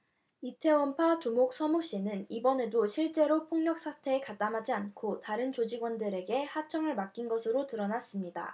이태원파 두목 서 모 씨는 이번에도 실제로 폭력 사태에 가담하지 않고 다른 조직원들에게 하청을 맡긴 것으로 드러났습니다